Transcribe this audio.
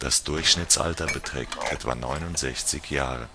Das Durchschnittsalter beträgt etwa 69 Jahre